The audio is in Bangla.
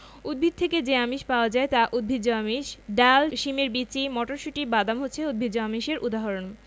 উদ্ভিদ থেকে যে আমিষ পাওয়া যায় তা উদ্ভিজ্জ আমিষ ডাল শিমের বিচি মটরশুঁটি বাদাম হচ্ছে উদ্ভিজ্জ আমিষের উদাহরণ